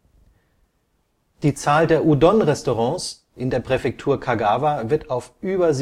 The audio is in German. Die Zahl der Udon-Restaurants in der Präfektur Kagawa wird auf über